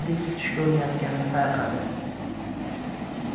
o'zini jiddiy tutishga urinayotganini payqadi